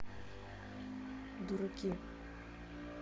дураки